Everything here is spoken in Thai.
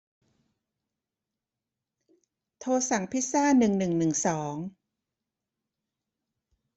โทรสั่งพิซซ่าหนึ่งหนึ่งหนึ่งสอง